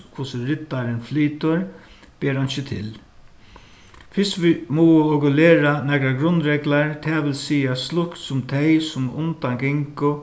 hvussu riddarin flytur ber einki til fyrst mugu okur læra nakrar grundreglar tað vil siga slíkt sum tey sum undan gingu